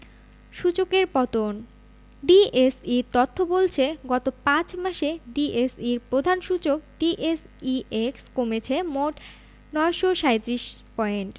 সূচকের পতন ডিএসইর তথ্য বলছে গত ৫ মাসে ডিএসইর প্রধান সূচক ডিএসইএক্স কমেছে মোট ৯৩৭ পয়েন্ট